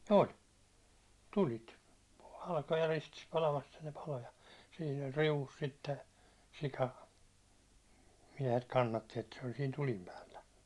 oli tulet halkoja ristissä palamassa että ne paloi ja siinä oli riu'ussa sitten sika miehet kannatti että se oli siinä tulen päällä